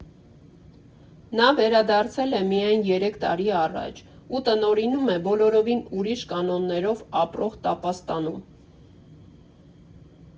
Նա վերադարձել է միայն երեք տարի առաջ, ու տնօրինում է բոլորովին ուրիշ կանոններով ապրող «Տապաստանում»։